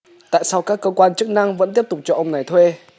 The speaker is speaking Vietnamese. tại sao các cơ quan chức năng vẫn tiếp tục cho ông này thuê